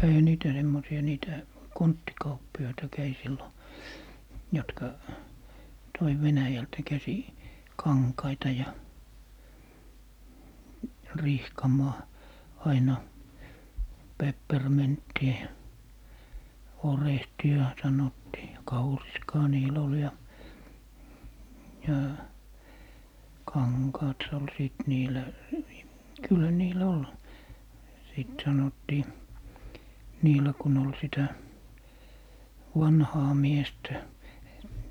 kävihän niitä semmoisia niitä konttikauppiaita kävi silloin jotka toi Venäjältä käsin kankaita ja rihkamaa aina pepperminttiä ja orehtia sanottiin ja kauriskaa niillä oli ja ja kankaat - oli sitten niillä kyllä niillä oli sitten sanottiin niillä kun oli sitä vanhaa miestä